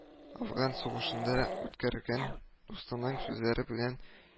Әфган сугышында үткәргән дустының сүзләре белән